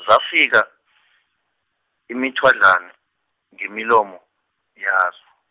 zafika, imithwadlana, ngemilomo, yazo.